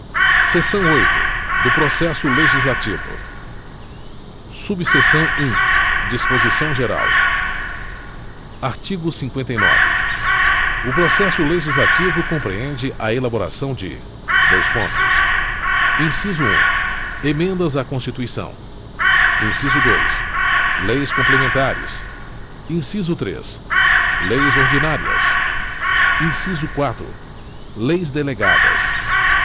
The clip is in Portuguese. seção oito do processo legislativo subseção um disposição geral artigo cinquenta e nove o processo legislativo compreende a elaboração de dois pontos inciso um emendas à constituição inciso dois leis complementares inciso três leis ordinárias inciso quatro leis delegadas